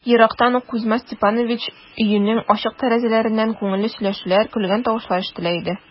Ерактан ук Кузьма Степанович өенең ачык тәрәзәләреннән күңелле сөйләшүләр, көлгән тавышлар ишетелә иде.